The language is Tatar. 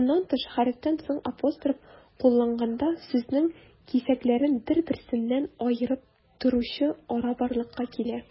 Моннан тыш, хәрефтән соң апостроф кулланганда, сүзнең кисәкләрен бер-берсеннән аерып торучы ара барлыкка килә.